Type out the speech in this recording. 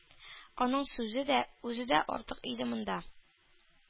Аның сүзе дә, үзе дә артык иде монда.